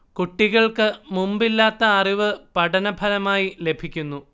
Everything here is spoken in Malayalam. കുട്ടികൾക്ക് മുമ്പില്ലാത്ത അറിവ് പഠനഫലമായി ലഭിക്കുന്നു